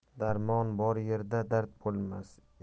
darmon bor yerda dard bo'lmas